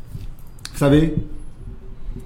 Sabu